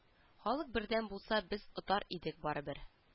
Халык бердәм булса без отар идек барыбер